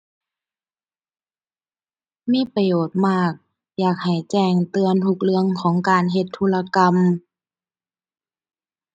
มีประโยชน์มาก อยากให้แจ้งเตือนทุกเรื่องของการเฮ็ดธุรกรรม